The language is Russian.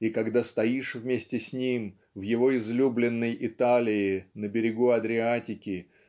и когда стоишь вместе с ним в его излюбленной Италии на берегу Адриатики